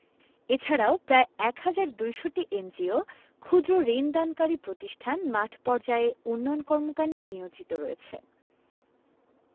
এছাড়াও প্রায় ১ হাজার ২০০ এনজিও ক্ষুদ্র্ ঋণ দানকারী প্রতিষ্ঠান মাঠপর্যায়ে উন্নয়ন কর্মকান্ডে নিয়োজিত রয়েছে